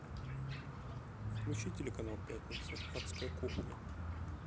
включи телеканал пятница адская кухня